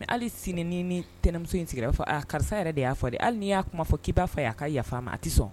Mɛ hali sini ni ntɛnɛnmuso in sigira fɔ karisa yɛrɛ de y'a fɔ dɛ hali n'i y'a kuma fɔ k'i'a fɔ y'a ka yafa a tɛ sɔn